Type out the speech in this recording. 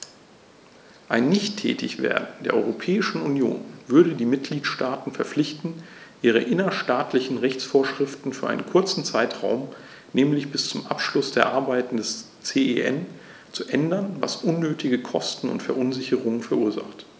Ein Nichttätigwerden der Europäischen Union würde die Mitgliedstaten verpflichten, ihre innerstaatlichen Rechtsvorschriften für einen kurzen Zeitraum, nämlich bis zum Abschluss der Arbeiten des CEN, zu ändern, was unnötige Kosten und Verunsicherungen verursacht.